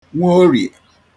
Nwoorìè